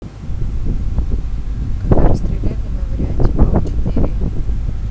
когда растреляли на варианте палыча берия